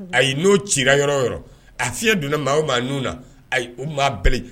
A ye n'o ci yɔrɔ yɔrɔ a fiyɛn donna maa o maa n na a u maa bɛɛ